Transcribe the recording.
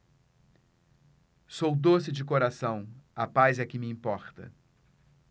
sou doce de coração a paz é que me importa